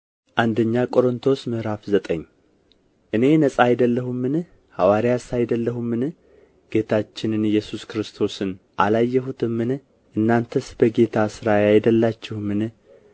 አንደኛ ቆሮንጦስ ምዕራፍ ዘጠኝ እኔ ነጻ አይደለሁምን ሐዋርያስ አይደለሁምን ጌታችንን ኢየሱስ ክርስቶስንስ አላየሁትምን እናንተስ በጌታ ሥራዬ አይደላችሁምን